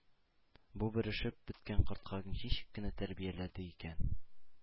Бу бөрешеп беткән кортка ничек кенә тәрбияләде икән